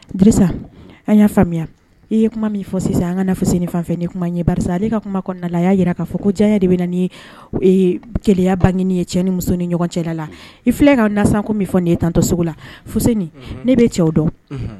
Dirisa, an y'a faamuya i ye kuma min fɔ sisan an ka na Fuseni fan fɛ ni kuma ye barisa ale ka kuma kɔnɔna la a y'a jira k'a fɔ ko diyanye de bɛ na ni gɛlɛya bangeli ye cɛ ni muso ni ɲɔgɔn cɛla la, i filɛ ka nasanko min fɔ nin ye tan tɔ sugu la, Fuseni, unhun, ne bɛ cɛw dɔn